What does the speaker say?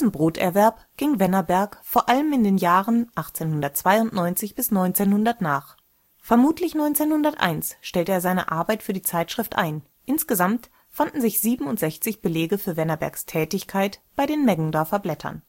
Broterwerb ging Wennerberg vor allem in den Jahren 1892 bis 1900 nach. Vermutlich 1901 stellte er seine Arbeit für die Zeitschrift ein. Insgesamt fanden sich 67 Belege für Wennerbergs Tätigkeit bei den „ Meggendorfer Blättern